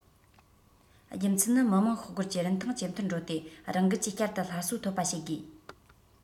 རྒྱུ མཚན ནི མི དམངས ཤོག སྒོར གྱི རིན ཐང ཇེ མཐོར འགྲོ ཏེ རང འགུལ གྱིས བསྐྱར དུ སླར གསོ ཐོབ པ བྱེད དགོས